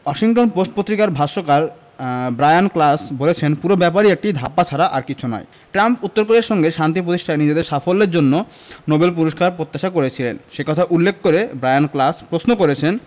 Washington Post পত্রিকার ভাষ্যকার Brian Klaas বলেছেন পুরো ব্যাপারই একটা ধাপ্পা ছাড়া আর কিছু নয় ট্রাম্প উত্তর কোরিয়ার সঙ্গে শান্তি প্রতিষ্ঠায় নিজের সাফল্যের জন্য নোবেল পুরস্কার প্রত্যাশা করেছিলেন সে কথা উল্লেখ করে ব্রায়ান ক্লাস প্রশ্ন করেছেন